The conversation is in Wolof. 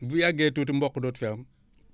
bu yàggee tuuti mboq dootu fi am